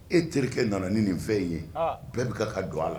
E terikɛ nana ni nin fɛn in ye bɛɛ bɛ ka ka don a la